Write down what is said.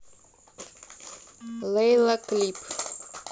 лейла клип